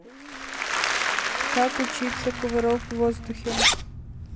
как учиться кувырок в воздухе